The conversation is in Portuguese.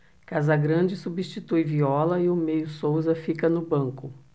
casagrande substitui viola e o meia souza fica no banco